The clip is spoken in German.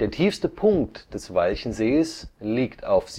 tiefste Punkt des Walchensees liegt auf